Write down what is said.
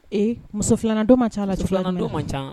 Ee muso filanan don ma ca la filan filanan don ma caan